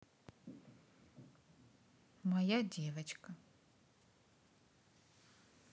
моя девочка